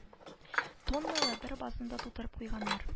Тонналы бер базны да тутырып куйганнар